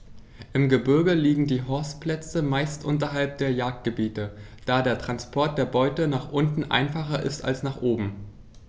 Im Gebirge liegen die Horstplätze meist unterhalb der Jagdgebiete, da der Transport der Beute nach unten einfacher ist als nach oben.